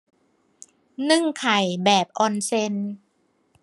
นึ่งไข่แบบออนเซ็น